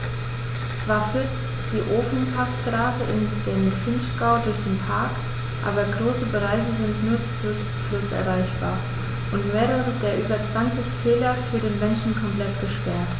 Zwar führt die Ofenpassstraße in den Vinschgau durch den Park, aber große Bereiche sind nur zu Fuß erreichbar und mehrere der über 20 Täler für den Menschen komplett gesperrt.